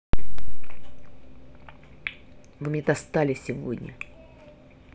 вы меня достали сегодня